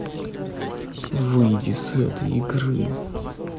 выйди с этой игры